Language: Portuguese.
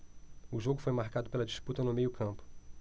o jogo foi marcado pela disputa no meio campo